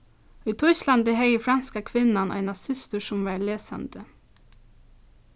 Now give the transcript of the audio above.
í týsklandi hevði franska kvinnan eina systur sum var lesandi